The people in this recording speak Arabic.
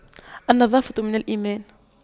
النظافة من الإيمان